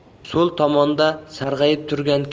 so'l tomonda sarg'ayib turgan